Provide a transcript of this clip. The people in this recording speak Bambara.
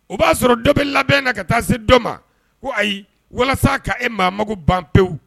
O b'a sɔrɔ dɔ bɛ labɛn na ka taa se dɔ ma ko , ayi, walasa ka e maa mago ban pewu.